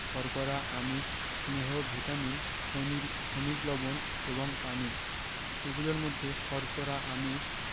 শর্করা আমিষ স্নেহ ভিটামিন খনি খনিজ লবন এবং পানি এগুলোর মধ্যে শর্করা আমিষ